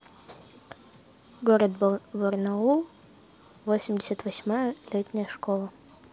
город барнаул восемьдесят восьмая летняя школа